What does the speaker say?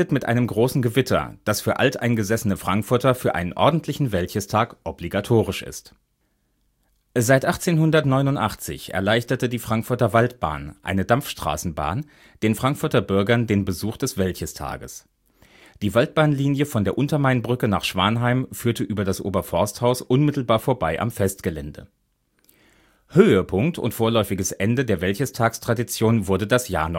mit einem großen Gewitter, das für alteingesessene Frankfurter für einen ordentlichen Wäldchestag obligatorisch ist. Seit 1889 erleichterte die Frankfurter Waldbahn, eine Dampfstraßenbahn, den Frankfurter Bürgern den Besuch des Wäldchestages. Die Waldbahnlinie von der Untermainbrücke nach Schwanheim führte über das Oberforsthaus unmittelbar vorbei am Festgelände. Höhepunkt und vorläufiges Ende der Wäldchestagstradition wurde das Jahr